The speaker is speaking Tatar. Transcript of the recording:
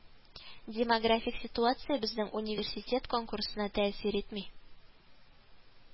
Демографик ситуация безнең университет конкурсына тәэсир итми